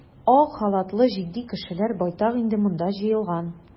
Ак халатлы җитди кешеләр байтак инде монда җыелган.